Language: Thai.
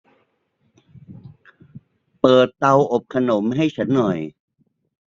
เปิดเตาอบขนมให้ฉันหน่อย